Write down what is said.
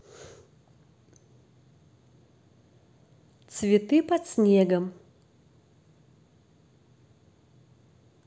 цветы под снегом